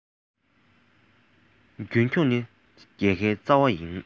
རྒྱུན འཁྱོངས ནི རྒྱལ ཁའི རྩ བ ཡིན